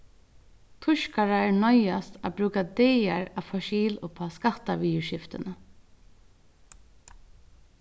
týskarar noyðast at brúka dagar at fáa skil uppá skattaviðurskiftini